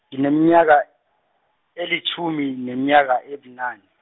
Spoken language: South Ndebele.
ngi neminyaka, elitjhumi neminyaka ebunane.